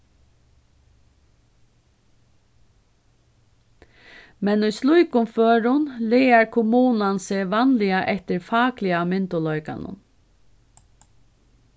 men í slíkum førum lagar kommunan seg vanliga eftir fakliga myndugleikanum